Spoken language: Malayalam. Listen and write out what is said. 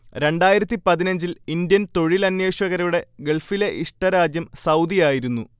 രണ്ടായിരത്തി പതിനഞ്ചിൽ ഇന്ത്യൻ തൊഴിലന്വേഷകരുടെ ഗൾഫിലെ ഇഷ്ട രാജ്യം സൗദിയായിരുന്നു